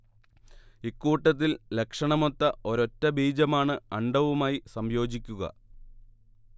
ഇക്കൂട്ടത്തിൽ ലക്ഷണമൊത്ത ഒരൊറ്റ ബീജമാണ് അണ്ഡവുമായി സംയോജിക്കുക